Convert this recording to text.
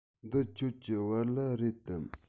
འདི ཁྱོད ཀྱི བལ ལྭ རེད དམ